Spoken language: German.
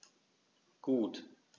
Gut.